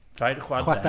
Traed chwaden